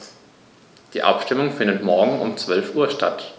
Die Abstimmung findet morgen um 12.00 Uhr statt.